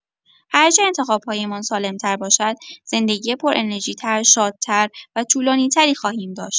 هرچه انتخاب‌هایمان سالم‌تر باشد، زندگی پر انرژی‌تر، شادتر و طولانی‌تری خواهیم داشت.